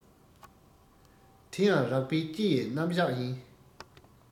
དེ ཡང རགས པ སྤྱི ཡི རྣམ གཞག ཡིན